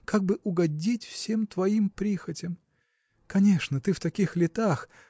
как бы угодить всем твоим прихотям? Конечно ты в таких летах